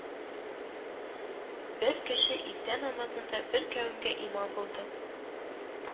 Бер кеше иртә намазында бер кавемгә имам булды